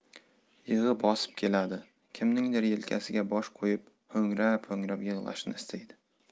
yig'i bosib keladi kimningdir yelkasiga bosh qo'yib ho'ngrab ho'ngrab yig'lashni istaydi